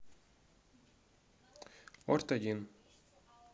орт один